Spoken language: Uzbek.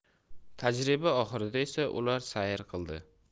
tajriba oxirida esa ular sayr qildi